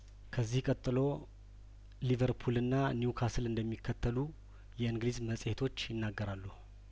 ከዚህ ቀጥሎ ሊቨርፑልና ኒውካስል እንደሚከተሉ የእንግሊዝ መጽሄቶች ይናገራሉ